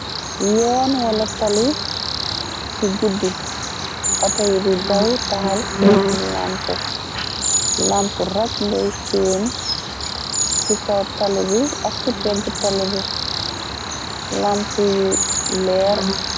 Yoon wala tali ci guddi outoy bi daw taxal seeni am lamp rek ngay seeni ci kaw talibi ak ci pegg talibi lamp yu leer.